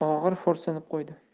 og'ir xo'rsinib qo'ydi